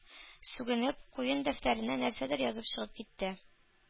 Сүгенеп, куен дәфтәренә нәрсәдер язып чыгып китте.